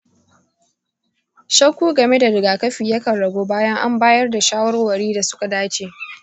shakku game da rigakafi yakan ragu bayan an bayar da shawarwari da suka dace.